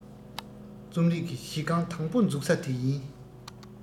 རྩོམ རིག གི གཞི རྐང དང པོ འཛུགས ས དེ ཡིན